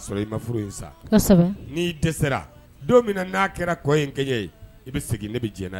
K'a sɔrɔ inma furu in sa, kosɛbɛ, n'i desɛra, ni don min na n'a kɛra kɔ in kɛɲɛ ye i bɛ segin , ne bɛ jɛn n'a ye.